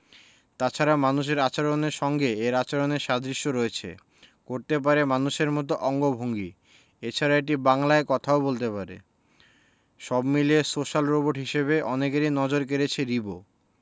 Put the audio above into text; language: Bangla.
তাছাড়া মানুষের আচরণের সঙ্গে এর আচরণের সাদৃশ্য রয়েছে করতে পারে মানুষের মতো অঙ্গভঙ্গি এছাড়া এটি বাংলায় কথাও বলতে পারে সব মিলিয়ে সোশ্যাল রোবট হিসেবে অনেকেরই নজর কেড়েছে রিবো